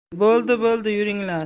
bo'ldi bo'ldi yuringlar